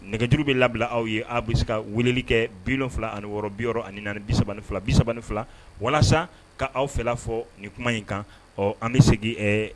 Nɛgɛjuru bɛ labila aw ye aw bɛ se ka weleli kɛ bi wolonwula ani bi yɔrɔ ani ni bi fila bi3 fila walasa ka aw fɛ fɔ nin kuma in kan ɔ an bɛ se